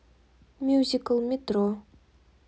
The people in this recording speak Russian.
мюзикл метро